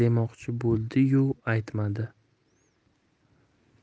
demoqchi bo'ldi yu aytmadi